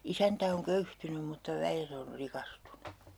isäntä on köyhtynyt mutta väet on rikastunut